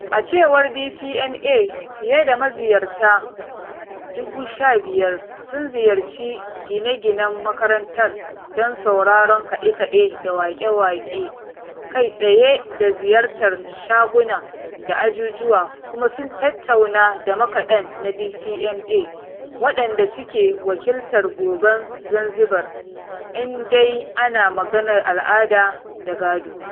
A cewar DCMA, fiye da maziyarta 15,000 sun ziyarci gine-ginen makarantar don sauraron kaɗe-kaɗe da waƙe-waƙe kai tsaye da ziyartar shaguna da ajujuwa kuma sun tattauna da makaɗan na DCMA waɗanda suke wakiltar goben Zanzibar in dai ana maganar al'ada da gado.